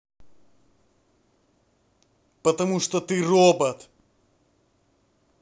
потому что потому что ты робот